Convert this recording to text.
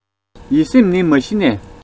ཡིད སེམས ནི མ གཞི ནས